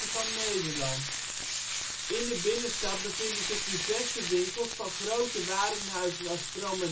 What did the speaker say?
van Nederland ". In de binnenstad bevinden zich diverse winkels, van grote warenhuizen als Vroom